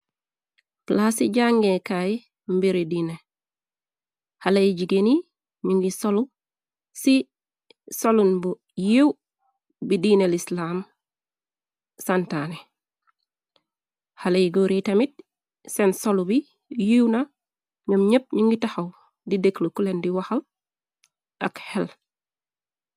Palaas ci jangeekaay mbiri diine xaley jigeen yi ñi ngi solu ci salun bu yéew bi diine lislaam santaane xale yi goor yi tamit seen solu bi yiiw na ñoom ñepp ñu ngi taxaw di dëkklu kulen di waxal ak xel.